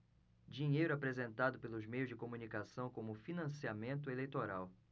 dinheiro apresentado pelos meios de comunicação como financiamento eleitoral